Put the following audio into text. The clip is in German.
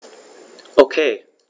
Okay.